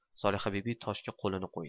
solihabibi toshga qo'lini qo'ydi